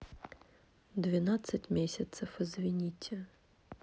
двенадцать месяцев извините